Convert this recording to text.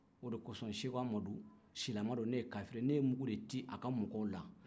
o de kɔsɔn seko amadu silamɛ don ne ye kafiri ye ne ye mugu de ci a ka mɔgɔw la